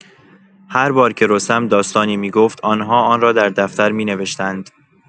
هر بار که رستم داستانی می‌گفت، آن‌ها آن را در دفتر می‌نوشتند.